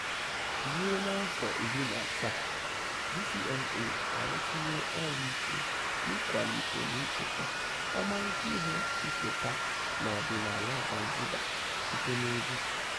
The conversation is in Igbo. Ruo afọ 17, DCMA arụsiwo ọrụ ike n'ịkwalite na ichekwa ọmarịcha ihe nketa na ọdịnaala Zanzibar site na egwu.